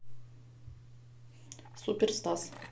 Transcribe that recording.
супер стас